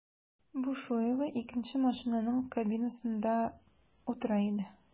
Бушуева икенче машинаның кабинасында утыра иде.